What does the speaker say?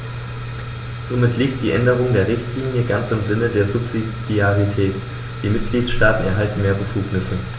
Somit liegt die Änderung der Richtlinie ganz im Sinne der Subsidiarität; die Mitgliedstaaten erhalten mehr Befugnisse.